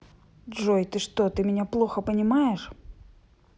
джой ты что ты меня плохо понимаешь